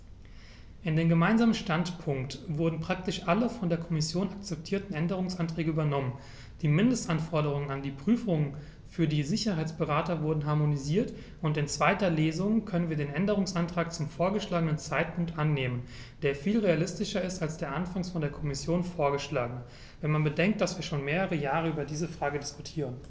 In den gemeinsamen Standpunkt wurden praktisch alle von der Kommission akzeptierten Änderungsanträge übernommen, die Mindestanforderungen an die Prüfungen für die Sicherheitsberater wurden harmonisiert, und in zweiter Lesung können wir den Änderungsantrag zum vorgeschlagenen Zeitpunkt annehmen, der viel realistischer ist als der anfangs von der Kommission vorgeschlagene, wenn man bedenkt, dass wir schon mehrere Jahre über diese Frage diskutieren.